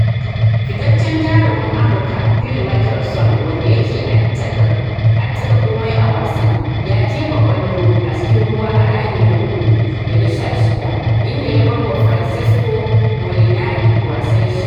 Fitaccen jarumi Amurka Phil Mickelson, wanda ya ke attaka komai a wasan, ya jefa kwallo a cikin ruwa a rami na 3 da na 16, inda ya barwa Francesco Molinari wasan shi.